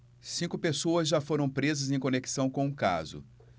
cinco pessoas já foram presas em conexão com o caso